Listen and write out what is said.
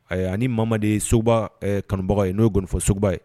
Ayiwa ani ni mama de soba kanubaga in n'ofɔsoba ye